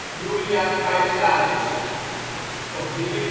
Julia Caesaris (53